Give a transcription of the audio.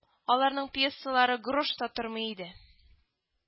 Аларның пьесалары грош та тормый иде